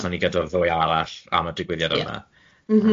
Chos o'n i gyda'r ddwy arall am y digwyddiad yma.